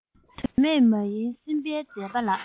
དོན མེད མ ཡིན སེམས དཔའི མཛད པ ལགས